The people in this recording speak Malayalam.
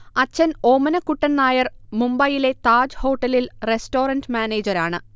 അച്ഛൻ ഓമനക്കുട്ടൻ നായർ മുബൈയിലെ താജ് ഹോട്ടലിൽ റസ്റ്റോറന്റ് മാനേജരാണ്